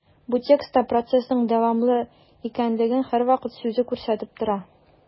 Бу текстта процессның дәвамлы икәнлеген «һәрвакыт» сүзе күрсәтеп тора.